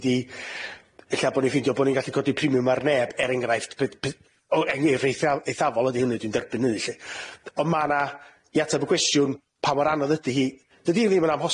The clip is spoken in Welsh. A dwi'n cau'r bleidlais.